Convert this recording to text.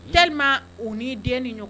Di o ni den ni ɲɔgɔn